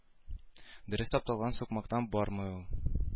Дөрес тапталган сукмактан бармый ул